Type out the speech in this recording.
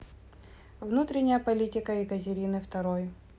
внутренняя политика екатерины второй